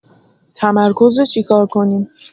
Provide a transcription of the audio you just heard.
تمرکزو چیکار کنیم؟